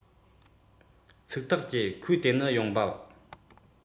ཚིག ཐག བཅད ཁོས དེ ནི ཡོང འབབ